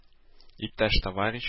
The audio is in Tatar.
Иптәш-товарищ